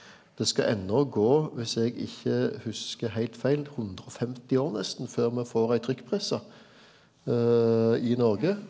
det skal ennå gå viss eg ikkje husker heilt feil 150 år nesten før me får ei trykkpresse i Noreg.